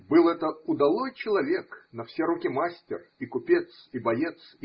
Был это удалой человек, на все руки мастер, и купец, и боец.